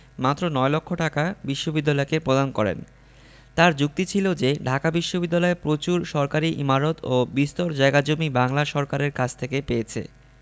মাত্র নয় লক্ষ টাকা বিশ্ববিদ্যালয়কে প্রদান করেন তাঁর যুক্তি ছিল যে ঢাকা বিশ্ববিদ্যালয় প্রচুর সরকারি ইমারত ও বিস্তর জায়গা জমি বাংলা সরকারের কাছ থেকে পেয়েছে